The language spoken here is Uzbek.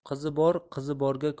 qizi bor qizi borga